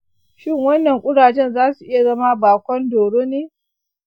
shin wannan ƙurajen za su iya zama bakon doro ne?